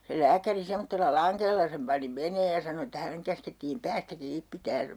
se lääkäri semmoisella langella sen pani menemään ja sanoi että hänen käskettiin päästä kiinni pitämään